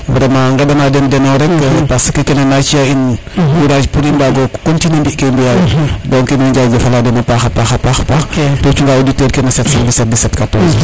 vraiment ngenda na den deno rek parce que kene na ci a in courage pour i mbago continuer mbi ke i mbiya yo donc in way njajefa la dena a paxa paxa paaxto xunga autiteur ke no 7171714